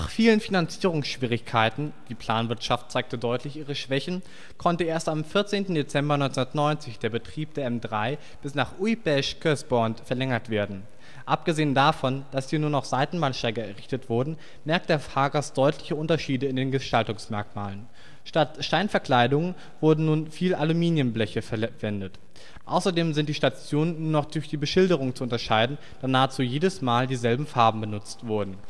vielen Finanzierungsschwierigkeiten, die Planwirtschaft zeigte deutlich ihre Schwächen, konnte erst am 14. Dezember 1990 der Betrieb der M3 bis nach Újpest-Központ verlängert werden. Abgesehen davon, dass hier nur noch Seitenbahnsteige errichtet wurden, merkt der Fahrgast deutliche Unterschiede in den Gestaltungsmerkmalen: Statt Steinverkleidungen wurden nun viel Aluminiumbleche verwendet. Außerdem sind die Stationen nur noch durch die Beschilderung zu unterscheiden, da nahezu jedes Mal dieselben Farben benutzt wurden